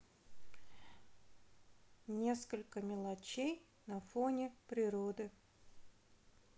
несколько мелочей на фоне природы